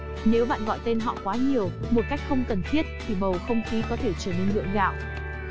nếu bạn gọi tên họ quá nhiều một cách không cần thiết thì bầu không khí có thể trở nên gượng gạo